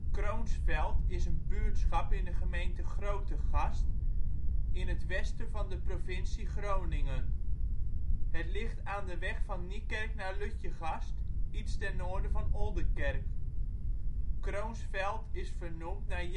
Kroonsfeld is een buurtschap in de gemeente Grootegast in het westen van de provincie Groningen. Het ligt aan de weg van Niekerk naar Lutjegast, iets ten noorden van Oldekerk. Kroonsfeld is vernoemd naar